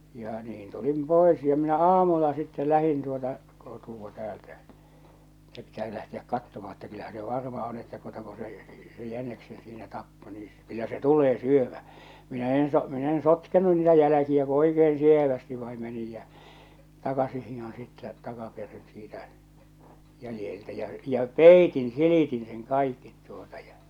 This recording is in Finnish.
ja niin tulin pois ja minä aamulla sitten lähdin tuota kotoa täältä että pitää se lähteä katsomaan että kyllähän se varma on että tuota kun se se se jäniksen siinä tappoi niin kyllä se tulee syömään minä en - minä en sotkenut niitä jälkiä kun oikein sievästi vain menin ja takaisin hiihdin sitten takaperin siitä jäljeltä ja ja peitin silitin sen kaikki tuota ja